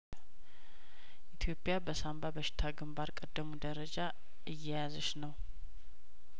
ኢትዮጵያ በሳንባ በሽታ ግንባር ቀደሙን ደረጃ እየያዘች ነው